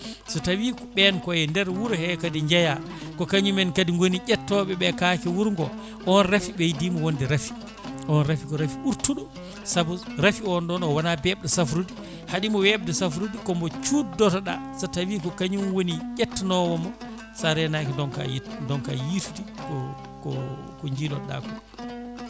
so tawi ko ɓen koye nder wuuro he kadi jeeya ko kañumen kadi gooni ƴettoɓeɓe kaake wuuro ngo on raafi ɓeydima wonde raafi on raafi ko raafi ɓurtuɗo saabu raafi on ɗon o wona bebɗo safrude haaɗimo webde safrude komo cuddoto ɗa so tawi ko kañum woni ƴettanowoma sa renaki donka yiitude ko ko ko jiilotoɗa ko